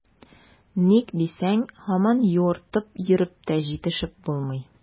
Ник дисәң, һаман юыртып йөреп тә җитешеп булмый.